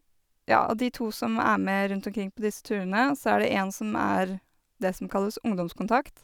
Ja, av de to som er med rundt omkring på disse turene, så er det en som er det som kalles ungdomskontakt.